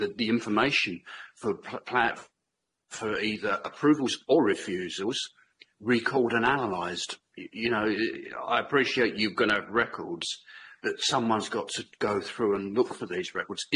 the the the information for pla- pla- for either approvals or refusals, recalled and analysed, y- you know, y- y- I appreciate you gonna records, that someone's got to go through and look for these records,